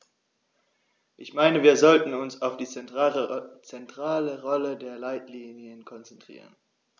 Ich meine, wir sollten uns auf die zentrale Rolle der Leitlinien konzentrieren.